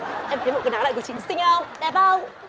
em thấy bộ quần áo này của chị xinh không đẹp không